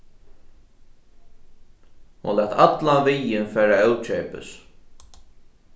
hon læt allan viðin fara ókeypis